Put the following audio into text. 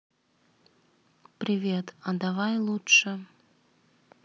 привет а давай лучше